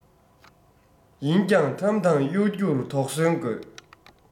ཡིན ཀྱང ཁྲམ དང གཡོ སྒྱུར དོགས ཟོན དགོས